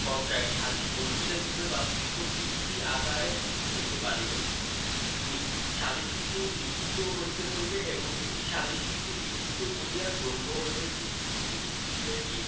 contract সালিস অনুচ্ছেদরূপে বা পৃথক চুক্তি আকারে হইতে পারিবে ২ সালিস চুক্তি লিখিত হইতে হইবে এবং একটি সালিস চুক্তি লিখিত বলিয়া গণ্য হইবে যদি চুক্তির বিষয়টি